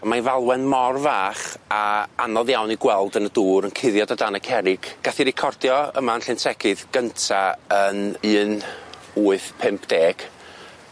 Mae'n falwen mor fach a anodd iawn i gweld yn y dŵr yn cuddiad o dan y cerrig. Gath ei recordio yma yn Llyn Tegid gynta yn un wyth pump deg.